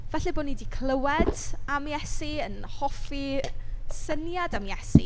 Falle bo' ni 'di clywed am Iesu, yn hoffi syniad am Iesu.